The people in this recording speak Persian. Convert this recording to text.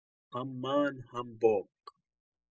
هم من، هم باغ.